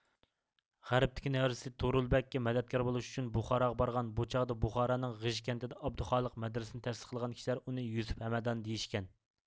غەربتىكى نەۋرىسى تۇرۇلبەگكە مەدەتكار بولۇش ئۈچۈن بۇخاراغا بارغان بۇ چاغدا بۇخارانىڭ غىژ كەنتىدە ئابدۇخالىق مەدرىسىنى تەسىس قىلغان كىشىلەر ئۇنى يۈسۈپ ھەمەدانى دېيىشكەن